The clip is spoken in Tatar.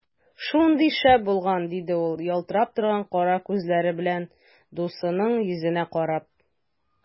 Шундый шәп булган! - диде ул ялтырап торган кара күзләре белән дусының йөзенә карап.